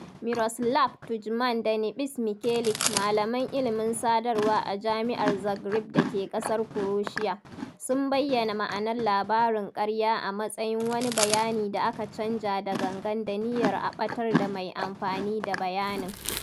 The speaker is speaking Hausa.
Miroslaɓ Tudjman da Niɓes Mikelic, malaman ilimin sadarwa a Jami'ar Zagreb da ke ƙasar Kuroshiya, sun bayyana ma'anar labarin ƙarya a matsayin "wani bayani da aka canja da gangan da niyyar a ɓatar da mai amfani da bayanin".